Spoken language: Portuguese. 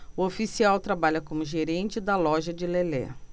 o oficial trabalha como gerente da loja de lelé